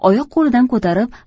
oyoq qo'lidan ko'tarib